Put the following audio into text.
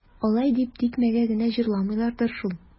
Алай дип тикмәгә генә җырламыйлардыр шул.